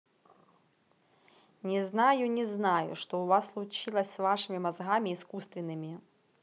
не знаю не знаю что у вас случилось с вашими мозгами искусственными